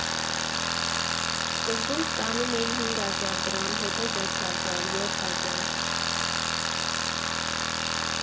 Սկզբում ստանում էի հինգ հազար դրամ, հետո վեց հազար, յոթ հազար…